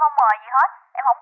em không